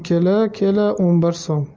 kela kela o'n bir so'm